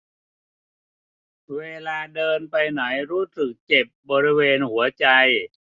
เวลาเดินไปไหนรู้สึกเจ็บบริเวณหัวใจ